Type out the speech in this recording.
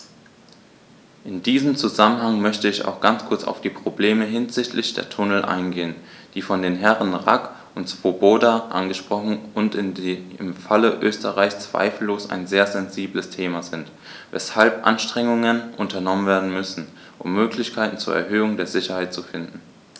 In diesem Zusammenhang möchte ich auch ganz kurz auf die Probleme hinsichtlich der Tunnel eingehen, die von den Herren Rack und Swoboda angesprochen wurden und die im Falle Österreichs zweifellos ein sehr sensibles Thema sind, weshalb Anstrengungen unternommen werden müssen, um Möglichkeiten zur Erhöhung der Sicherheit zu finden.